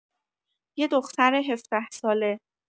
یه دختر هفده‌ساله